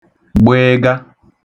gbịịga